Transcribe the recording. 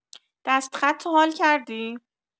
دست‌خط رو حال کردی؟